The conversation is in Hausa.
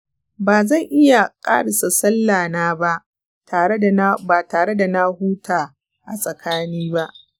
bazan iya ƙarisa sallah na ba tare da na huta a tsakani ba.